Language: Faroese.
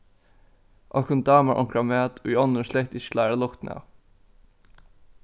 okkum dámar onkran mat ið onnur slett ikki klára luktin av